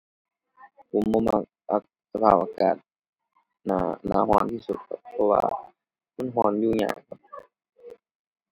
ผมบ่มัก อะ สภาพอากาศ หน้า หน้าร้อนที่สุดครับ เพราะว่ามันร้อนอยู่ยากครับ